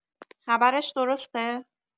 خبرش درسته؟